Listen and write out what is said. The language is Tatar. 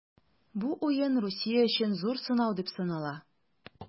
Бу уен Русия өчен зур сынау дип санала.